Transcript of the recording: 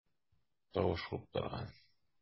Тавыш куптарган.